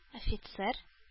Офицер